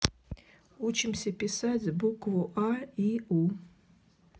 учимся писать букву а и у